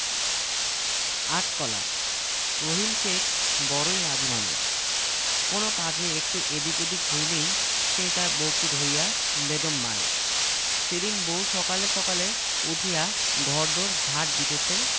আট কলা রহিম শেখ বড়ই রাগী মানুষ কোনো কাজে একটু এদিক ওদিক হইলেই সে তার বউকে ধরিয়া বেদম মারে সেদিন বউ সকালে সকালে উঠিয়া ঘর দোর ঝাট দিতেছে